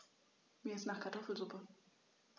Mir ist nach Kartoffelsuppe.